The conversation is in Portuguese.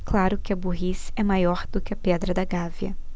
claro que a burrice é maior do que a pedra da gávea